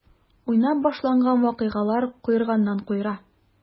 Уйнап башланган вакыйгалар куерганнан-куера.